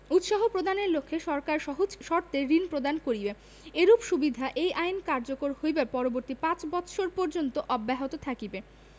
উৎসাহ প্রদানের জন্য সরকার সহজ শর্তে ঋণ প্রদান করিবে এইরূপ সুবিধা এই আইন কার্যকর হইবার পরবর্তী পাঁচ ৫ বৎসর পর্যন্ত অব্যাহত থাকিবে